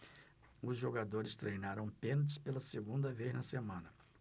os jogadores treinaram pênaltis pela segunda vez na semana